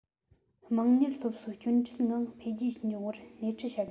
དམངས གཉེར སློབ གསོ སྐྱོན བྲལ ངང འཕེལ རྒྱས འབྱུང བར སྣེ ཁྲིད བྱ དགོས